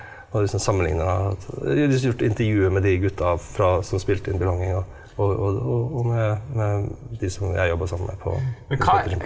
og liksom sammenligna gjort intervjuer med de guttene fra som spilte inn Belonging da og og og og med med de som jeg jobba sammen med på.